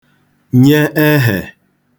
nye ehè